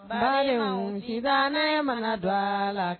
Miniyan nci ne ma dɔgɔ la